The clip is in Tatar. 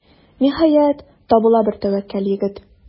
Ниһаять, табыла бер тәвәккәл егет.